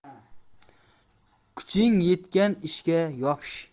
kuching yetgan ishga yopish